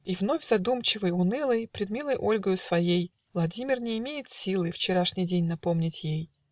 И вновь задумчивый, унылый Пред милой Ольгою своей, Владимир не имеет силы Вчерашний день напомнить ей